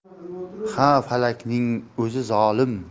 ha falakning o'zi zolim